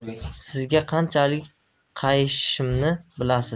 sizga qanchalik qayishishimni bilasiz